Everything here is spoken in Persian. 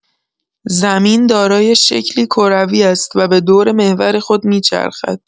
زمین دارای شکلی کروی است و به دور محور خود می‌چرخد.